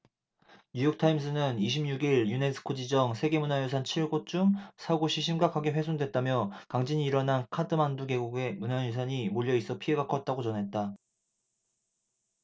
뉴욕타임스는 이십 육 일 유네스코 지정 세계문화유산 칠 곳 중 사 곳이 심각하게 훼손됐다며 강진이 일어난 카트만두 계곡에 문화유산이 몰려 있어 피해가 컸다고 전했다